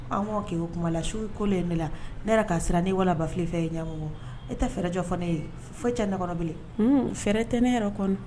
An k o kuma la su ko ne la ne ka siran ne wafi fɛ ye ɲamɔgɔ e tɛ fɛɛrɛ jɔfɔ ne ye foyi cɛb fɛ fɛrɛɛrɛ tɛ ne yɛrɛ kɔnɔ